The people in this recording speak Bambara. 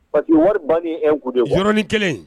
Parce que wari banni ye uncoup de ye quoi , yɔrɔnin kelen